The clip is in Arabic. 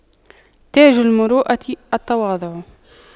تاج المروءة التواضع